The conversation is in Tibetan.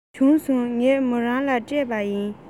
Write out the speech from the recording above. བྱུང སོང ངས མོ རང ལ སྤྲད པ ཡིན